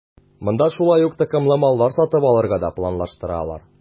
Монда шулай ук токымлы маллар сатып алырга да планлаштыралар.